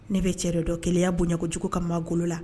Ne bɛ cɛ yɛrɛ dɔ kelenya bonyaɲajugu ka ma golo la